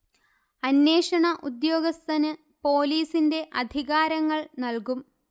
അന്വേഷണ ഉദ്യോഗസ്ഥന് പോലീസിന്റെ അധികാരങ്ങൾ നൽകും